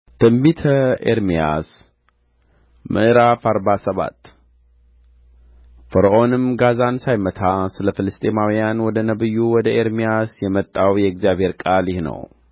ትንቢተ ኤርምያስ ምዕራፍ አርባ ሰባት ፈርዖንም ጋዛን ሳይመታ ስለ ፍልስጥኤማውያን ወደ ነቢዩ ወደ ኤርምያስ የመጣው የእግዚአብሔር ቃል ይህ ነው